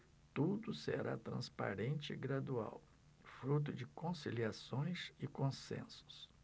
tudo será transparente e gradual fruto de conciliações e consensos